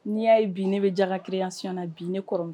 N'i y'a ye bi ne bɛ jakakireyasiy na bi ne kɔrɔ